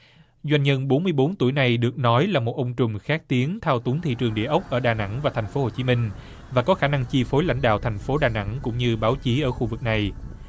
doanh nhân bốn mươi bốn tuổi này được nói là một ông trùm khét tiếng thao túng thị trường địa ốc ở đà nẵng và thành phố hồ chí minh và có khả năng chi phối lãnh đạo thành phố đà nẵng cũng như báo chí ở khu vực này